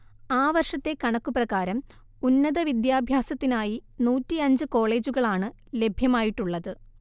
ആ വർഷത്തെ കണക്കു പ്രകാരം ഉന്നതവിദ്യാഭ്യാസത്തിനായി നൂറ്റിയഞ്ച് കോളേജുകളാണ് ലഭ്യമായിട്ടുള്ളത്